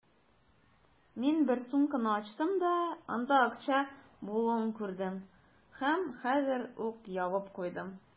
Мин бер сумканы ачтым да, анда акча булуын күрдем һәм хәзер үк ябып куйдым.